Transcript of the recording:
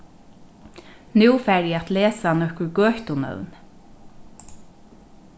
nú fari eg at lesa nøkur gøtunøvn